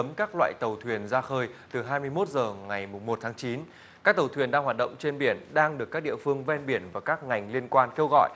cấm các loại tàu thuyền ra khơi từ hai mươi mốt giờ ngày mùng một tháng chín các tàu thuyền đang hoạt động trên biển đang được các địa phương ven biển và các ngành liên quan kêu gọi